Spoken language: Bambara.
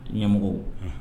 Ɲɛmɔgɔw, unh